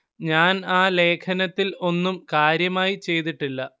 ഞാൻ ആ ലേഖനത്തിൽ ഒന്നും കാര്യമായി ചെയ്തിട്ടില്ല